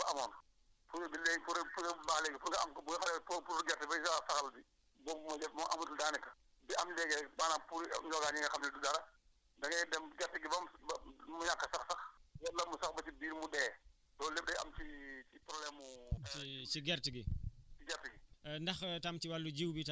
mooy gis nga gerte gi puudar bi am léegi moo bokkul ak puudar bu njëkk bi amoon puudar bi léegi puudar puudar bu baax léegi pour nga am ko boo xam ne pot pot gerte buy gaaw a saxal bi boobu moo jafe moo amatul daanaka bi am léegi maanaam pour ñoogaanyi nga xam ne du dara da ngay dem gerte gi ba mu ba mu ñàkk a sax sax wala mu sax ba ci biir mu dee loolu lépp day am si ci problème mu